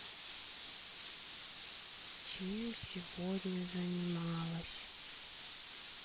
чем сегодня занималась